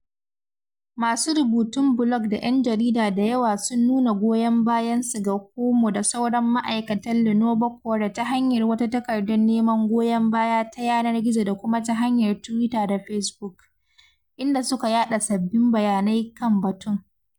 Masu rubutun blog da ‘yan jarida da yawa sun nuna goyon bayansu ga Kouamouo da sauran ma’aikatan Le Nouveau Courrier ta hanyar wata takardar neman goyon baya ta yanar gizo da kuma ta hanyar Twitter da Facebook, inda suka yaɗa sabbin bayanai kan batun.